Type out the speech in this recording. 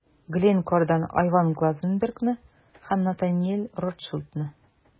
Glencore'дан Айван Глазенбергны һәм Натаниэль Ротшильдны.